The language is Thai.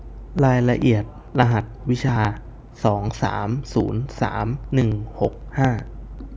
รายละเอียดรหัสวิชาสองสามศูนย์สามหนึ่งหกห้า